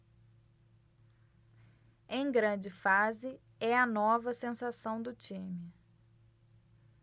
em grande fase é a nova sensação do time